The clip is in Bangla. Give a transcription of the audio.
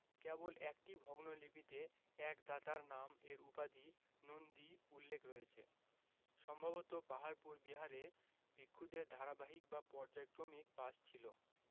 কেবল একটি ভগ্ন লিপিতে এক দাতার নাম এর উপাধি নন্দী উল্লেখ রয়েছে সম্ভবত পাহাড়পুর বিহারে ভিক্ষুদের ধারাবাহিক বা পর্যায়ক্রমিক বাস ছিল